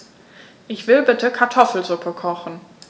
Ich will bitte Kartoffelsuppe kochen.